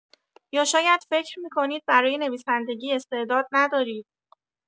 یا شاید فکر می‌کنید برای نویسندگی استعداد ندارید؟